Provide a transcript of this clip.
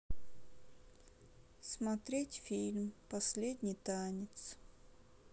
смотреть фильм последний танец